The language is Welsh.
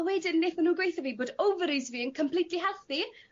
a wedyn netho n'w' gweu' 'tho fi bod ovaries fi yn completly healthy.